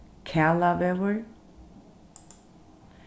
kalavegur